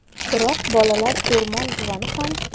biroq bolalar ermon buvani ham